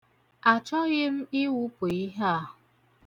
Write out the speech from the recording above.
Achọghị m ịwụpụ ihe a.